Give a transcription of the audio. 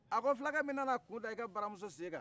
a ko fulakɛ min nana a sen da i ka baramuso sen kan